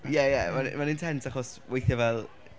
Ie ie m- mae'n intense achos weithiau fel...